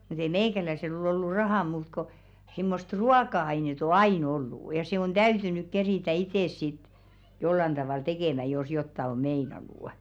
mutta ei meikäläisellä ole ollut rahaa muuta kuin semmoista ruoka-ainetta on aina ollut ja se on täytynyt keritä itse sitten jollakin tavalla tekemään jos jotakin on meinannut